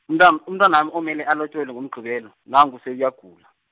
umtwan- umntwanami omele alotjolwe ngoMgqibelo, nangu sewuyagula.